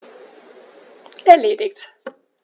Erledigt.